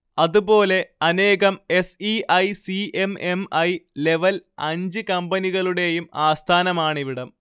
അതുപോലെ അനേകം S E I C M M I level അഞ്ച് കമ്പനികളുടെയും ആസ്ഥാനമാണിവിടം